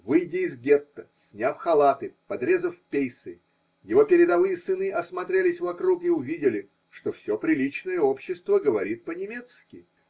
Выйдя из гетто, сняв халаты, подрезав пейсы, его передовые сыны осмотрелись вокруг и увидели, что все приличное общество говорит по-немецки.